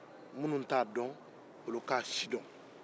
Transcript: minnu t'a dɔn olu k'a sidɔn